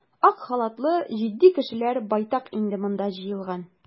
Ак халатлы җитди кешеләр байтак инде монда җыелган.